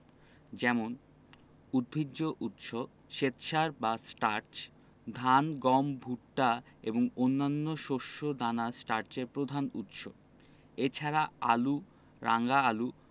যেমন উদ্ভিজ্জ উৎস শ্বেতসার বা স্টার্চ ধান গম ভুট্টা এবং অন্যান্য শস্য দানা স্টার্চের প্রধান উৎস এছাড়া আলু রাঙা আলু